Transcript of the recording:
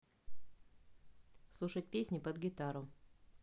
слушать песни под гитару